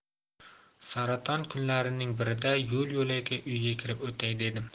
saraton kunlarining birida yo'l yo'lakay uyga kirib o'tay dedim